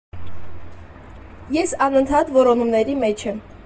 Ես անընդհատ որոնումների մեջ եմ։